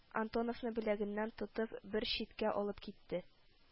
Антоновны беләгеннән тотып бер читкә алып китте